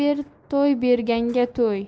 ber toy berganga toy